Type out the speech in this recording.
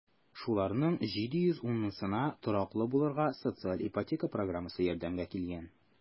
Шуларның 710-сына тораклы булырга социаль ипотека программасы ярдәмгә килгән.